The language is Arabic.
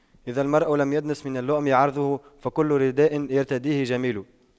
إذا المرء لم يدنس من اللؤم عرضه فكل رداء يرتديه جميل